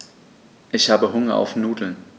Ich habe Hunger auf Nudeln.